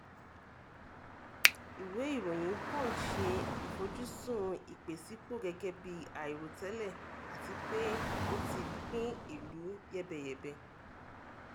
Ìwé ìròyìn Punch ṣe ìfojúsùn "ìpèsípò" gẹ́gẹ́ bí "àìròtẹ́lẹ̀ " àti pé ó ti pín ìlú yẹ́bẹyẹ̀bẹ.